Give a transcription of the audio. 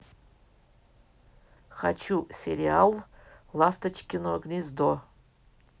хочу сериал ласточкино гнездо